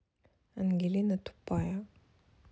ангелина тупая